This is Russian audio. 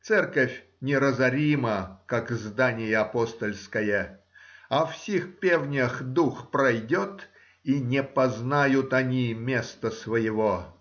церковь неразорима, как здание апостольское, а в сих певнях дух пройдет, и не познают они места своего.